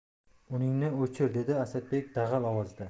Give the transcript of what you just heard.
uningni o'chir dedi asadbek dag'al ovozda